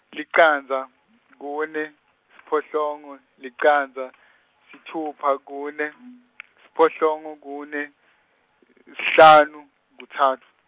licandza kune siphohlongo licandza sitfupha kune siphohlongo kune , hlanu kutsatfu.